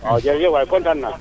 waaw jërëjëf waay kontaan naa